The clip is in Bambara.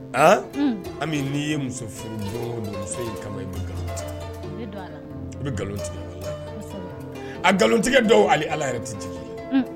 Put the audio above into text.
A ami n'i ye muso masa kama i i bɛtigi a nkalontigi dɔw hali ala yɛrɛtigi ye